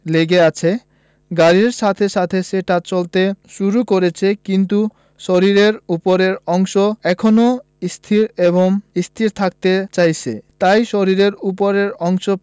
লেগে আছে গাড়ির সাথে সাথে সেটা চলতে শুরু করেছে কিন্তু শরীরের ওপরের অংশ এখনো স্থির এবং স্থির থাকতে চাইছে তাই শরীরের ওপরের অংশ